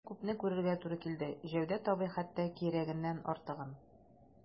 Бик күпне күрергә туры килде, Җәүдәт абый, хәтта кирәгеннән артыгын...